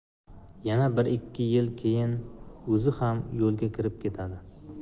yana bir ikki yil keyin uzi xam yulga kirib ketadi